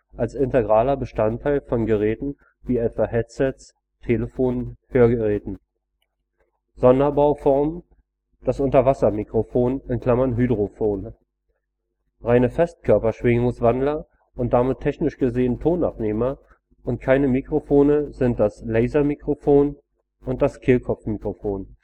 als integraler Bestandteil von Geräten wie etwa Headsets, Telefonen, Hörgeräten Sonderbauformen: Unterwassermikrofon (Hydrofon) Reine Festkörperschwingungswandler und damit technisch gesehen Tonabnehmer und keine Mikrofone sind das Lasermikrofon Kehlkopfmikrofon